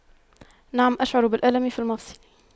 نعم أشعر بالألم في المفصل